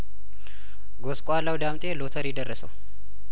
ጐስቋላው ዳምጤ ሎተሪ ደረሰው